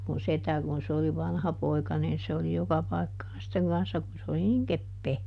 minun setä kun se oli vanhapoika niin se oli joka paikkaan sitten kanssa kun se oli niin kepeä